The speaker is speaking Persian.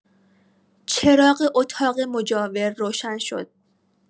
چراغ اطاق مجاور روشن شد.